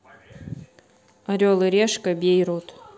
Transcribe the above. орел и решка бейрут